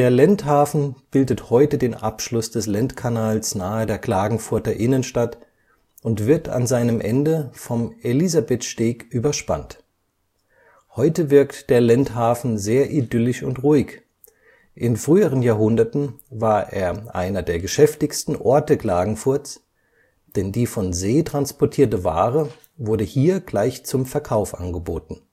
Lendhafen bildet heute den Abschluss des Lendkanals nahe der Klagenfurter Innenstadt und wird an seinem Ende vom Elisabethsteg überspannt. Heute wirkt der Lendhafen sehr idyllisch und ruhig, in früheren Jahrhunderten war er einer der geschäftigsten Orte Klagenfurts, denn die vom See transportierte Ware wurde hier gleich zum Verkauf angeboten